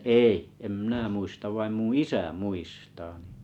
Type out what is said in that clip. ei en minä muista vaan minun isä muistaa niin